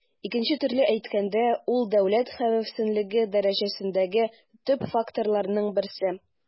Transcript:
Икенче төрле әйткәндә, ул дәүләт хәвефсезлеге дәрәҗәсендәге төп факторларның берсе.